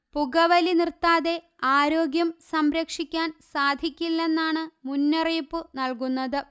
പുകവലി നിർത്താതെ ആരോഗ്യം സംരക്ഷിക്കാൻസാധിക്കില്ലെന്നാണ് മുന്നറിയിപ്പു നല്കുന്നത്